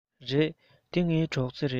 རེད འདི ངའི སྒྲོག རྩེ རེད